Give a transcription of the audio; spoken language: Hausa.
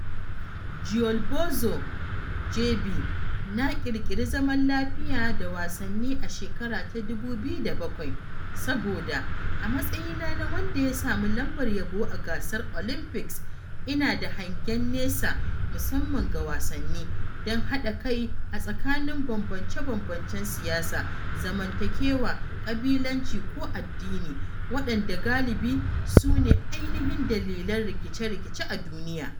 Joël Bouzou (JB): Na ƙirƙiri zaman lafiya da wasanni a shekara ta 2007 saboda, a matsayina na wanda ya samu lambar yabo a gasar Olympics, ina da hangen nesa musamman ga wasanni don haɗa kai a tsakanin bambance-bambancen siyasa, zamantakewa, kabilanci ko addini, waɗanda galibi sune ainihin dalilan rikice-rikice a duniya.